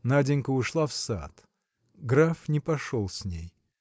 Наденька ушла в сад; граф не пошел с ней.